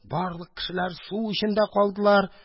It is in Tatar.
Барлык кешеләр су эчендә калдылар.